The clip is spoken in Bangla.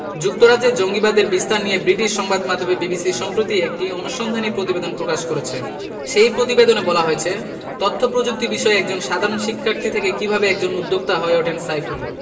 যুক্তরাজ্যে জঙ্গিবাদের বিস্তার নিয়ে ব্রিটিশ সংবাদমাধ্যম বিবিসি সম্প্রতি একটি অনুসন্ধানী প্রতিবেদন প্রকাশ করেছে সেই প্রতিবেদনে বলা হয়েছে তথ্যপ্রযুক্তি বিষয়ের একজন সাধারণ শিক্ষার্থী থেকে কীভাবে একজন উদ্যোক্তা হয়ে ওঠেন সাইফুল